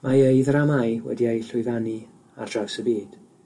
Mae ei ddramâu wedi eu llwyfannu ar draws y byd,